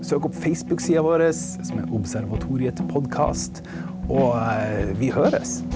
søk opp Facebooksida vår som er Observatoriet podkast og vi høyrest!